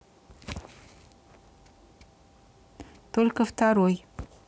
только второй